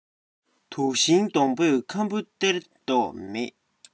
དུག ཤིང སྡོང པོས ཁམ བུ སྟེར མདོག མེད